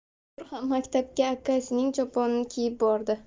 bultur ham maktabga akasining choponini kiyib bordi